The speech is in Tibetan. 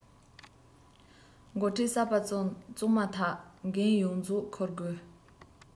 འགོ ཁྲིད གསར པ བཙུགས མ ཐག འགན ཡོངས རྫོགས འཁུར དགོས